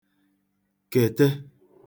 -kète